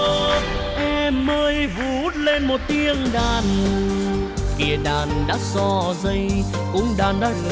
hơ em ơi đã vút lên một tiếng đàn kìa đàn đã so dây cung đàn đã lựa